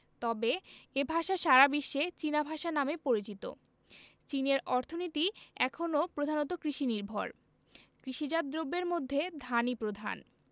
তবে এ ভাষা সারা বিশ্বে চীনা ভাষা নামে পরিচিত চীনের অর্থনীতি এখনো প্রধানত কৃষিনির্ভর কৃষিজাত দ্রব্যের মধ্যে ধানই প্রধান